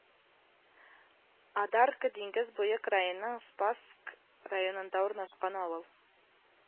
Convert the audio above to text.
Адарка Диңгез буе краеның Спасск районында урнашкан авыл